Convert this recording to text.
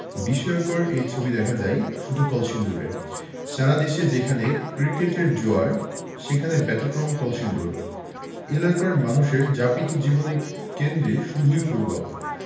বিস্ময়কর এই ছবি দেখা যায় শুধু কলসিন্দুরে সারা দেশে যেখানে ক্রিকেটের জোয়ার সেখানে ব্যতিক্রম কলসিন্দুর এখানকার মানুষের যাপিত জীবনের কেন্দ্রে শুধুই ফুটবল